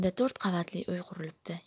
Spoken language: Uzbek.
to'rt qavatli uy qurilibdi